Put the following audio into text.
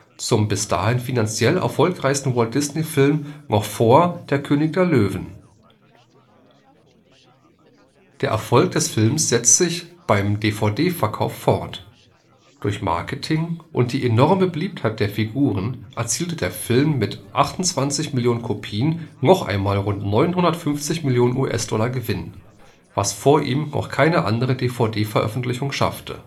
zum bis dahin finanziell erfolgreichesten Walt-Disney-Film noch vor Der König der Löwen (siehe auch Liste der erfolgreichsten Filme). Der Erfolg des Films setzte sich beim DVD-Verkauf fort. Durch Marketing und die enorme Beliebtheit der Figuren erzielte der Film mit 28 Millionen Kopien noch einmal rund 950 Millionen US-Dollar Gewinn, was vor ihm noch keine andere DVD-Veröffentlichung schaffte